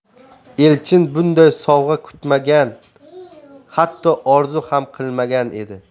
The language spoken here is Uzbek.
elchin bunday sovg'a kutmagan hatto orzu ham qilmagan edi